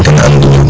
dina am lu juum